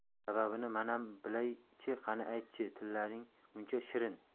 sababini manam bilay chi qani ayt chi tillaring muncha shirin